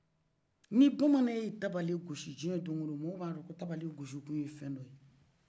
ni bamanan ye tabalen gossi dɔn min maw b'a dɔ ko tabalen gossi kun fɛmi ye